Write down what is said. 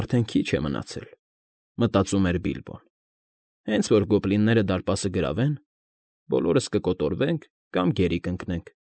Արդեն քիչ է մնացել,֊ մտածում էր Բիլբոն։֊ Հենց որ գոբլինները դարպասը գրավեն, բոլորս կկոտորվենք կամ գերի կընկնենք։